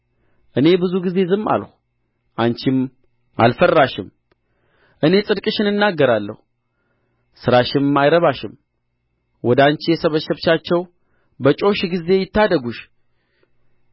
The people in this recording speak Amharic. እኔ ብዙ ጊዜ ዝም አልሁ አንቺም አልፈራሽም እኔ ጽድቅሽን እናገራለሁ ሥራሽም አይረባሽም ወደ አንቺ የሰበሰብሻቸው በጮኽሽ ጊዜ ይታደጉሽ